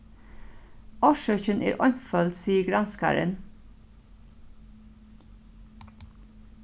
orsøkin er einføld sigur granskarin